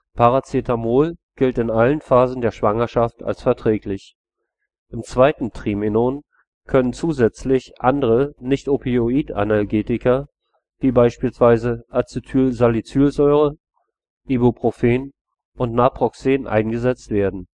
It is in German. Paracetamol gilt in allen Phasen der Schwangerschaft als verträglich. Im zweiten Trimenon können zusätzlich andere Nichtopioid-Analgetika, wie beispielsweise Acetylsalicylsäure, Ibuprofen und Naproxen, eingesetzt werden